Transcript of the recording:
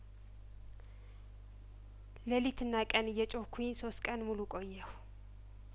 ሌሊትና ቀን እየጮህኩኝ ሶስት ቀን ሙሉ ቆየሁ